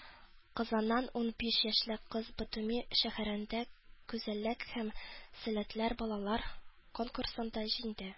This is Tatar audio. Казаннан ун бер яшьлек кыз Батуми шәһәрендә гүзәллек һәм сәләтләр балалар конкурсында җиңде